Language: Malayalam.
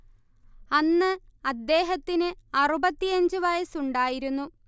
അന്ന് അദ്ദേഹത്തിന് അറുപത്തിയഞ്ച് വയസ്സുണ്ടായിരുന്നു